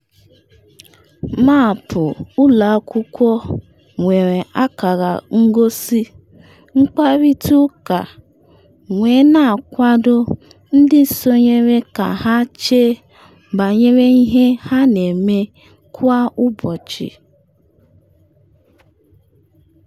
Maapu ụlọ akwụkwọ nwere akara ngosi mkparịta ụka, wee na-akwado ndị sonyere ka ha chee banyere ihe ha na-eme kwa ụbọchị.